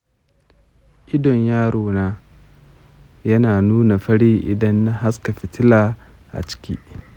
idon yaro na yana nuna fari idan na haska fitila a ciki.